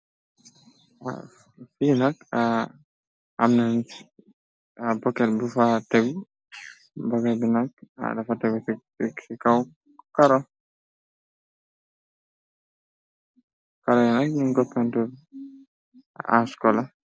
Finak amne bokel bu fa teb boger bi nak .Dafa teb fiici kaw karoynak yun goppentoraskola.